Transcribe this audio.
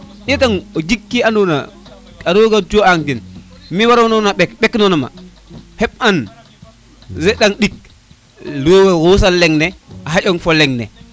tetang o jig ke ando na roga coɗano tin me waranona ɓek ɓekino ma reɓ an re an ɗik roga wosong leŋ ne xaƴoŋ fo leŋ ne